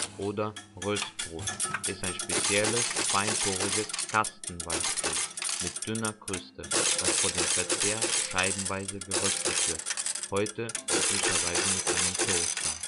oder Röstbrot ist ein spezielles, feinporiges Kastenweißbrot mit dünner Kruste, das vor dem Verzehr scheibenweise geröstet wird, heute üblicherweise mit einem Toaster